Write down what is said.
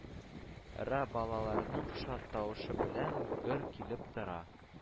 Ра, балаларның шат тавышы белән гөр килеп тора